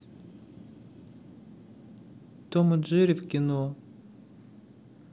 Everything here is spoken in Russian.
том и джерри в кино